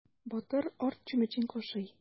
Батыр арт чүмечен кашый.